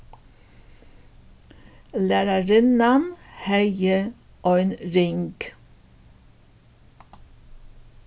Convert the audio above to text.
lærarinnan hevði ein ring